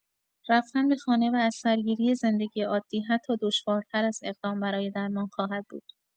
رفتن به خانه و از سرگیری زندگی عادی حتی دشوارتر از اقدام برای درمان خواهد بود.